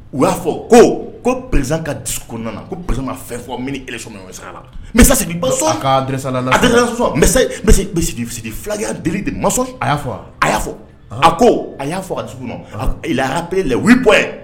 U y'a fɔ ko ko président ka discours kɔnɔna na ko président man fɛn fɔ min ni élection bɛ ɲɔgɔn ɲɛsira la mais c'est du mensonge mais c'est du flagrant délit du mensonge a y'a fɔ a ka discours kɔnɔ il a rappelé les 8 points